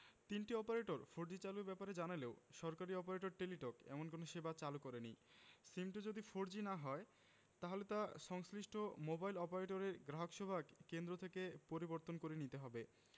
তিনটি operator four G চালুর ব্যাপারে জানালেও সরকারি অপারেটর টেলিটক এমন কোনো সেবা চালু করেনি সিমটি যদি ফোরজি না হয় তাহলে তা সংশ্লিষ্ট মোবাইল ফোন অপারেটরের গ্রাহকসেবা কেন্দ্র থেকে পরিবর্তন করে নিতে হবে